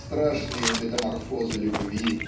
страшные метаморфозы любви